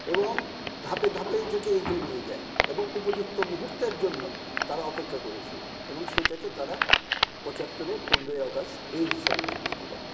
এবং ধাপে ধাপে এটা কে এগিয়ে নিয়ে যায় এবং উপযুক্ত মুহূর্তের জন্য তার অপেক্ষা করেছিল এবং সেটাকে তারা ৭৫ এর ১৫ ই আগস্ট এই হিসেবে চিহ্নিত করে